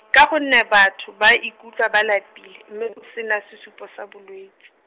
ka gonne batho ba ikutlwa ba lapile, mme go sena sesupo sa bolwetsi.